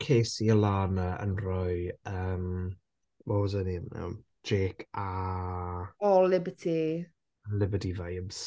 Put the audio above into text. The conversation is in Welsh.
Casey a Lana yn rhoi yym what was her name now? Jake a... O Liberty ...Liberty vibes.